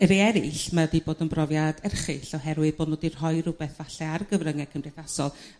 I rei eraill ma' 'di bod yn brofiad erchyll oherwydd bo' nhw 'di rhoi rywbeth 'falle ar gyfrynge cymdeithasol